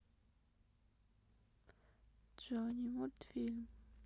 джонни мультфильм